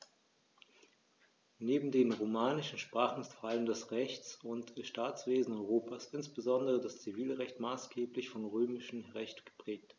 Neben den romanischen Sprachen ist vor allem das Rechts- und Staatswesen Europas, insbesondere das Zivilrecht, maßgeblich vom Römischen Recht geprägt.